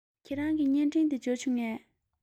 ཁྱེད རང གི བརྙན འཕྲིན དེ འབྱོར བྱུང ངས